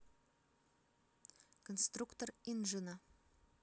конструктор инжина